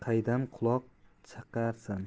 qaydan buloq chiqarsa